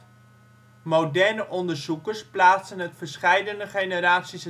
Moderne onderzoekers plaatsen het verscheidene generaties